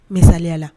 Misaliya la